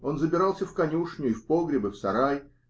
Он забирался и в конюшню, и в погреб, и в сарай.